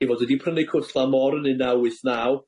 ei fod wedi prynu cwt glan môr yn un naw wyth naw,